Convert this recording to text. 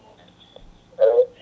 allo